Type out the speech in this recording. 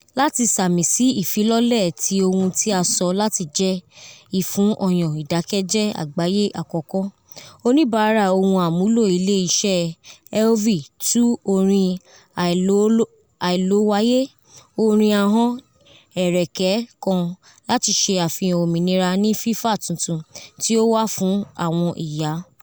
Lati samisi ifilọlẹ ti ohun ti a sọ lati jẹ "ifun ọyan idakẹjẹ agbaye akọkọ," onibara ohun-amulo ile iṣẹ Elvie tu orin alailowaya orin ahọn ẹrẹkẹ kan lati ṣe afihan ominira ni fifa tuntun ti o wa fun awọn iya.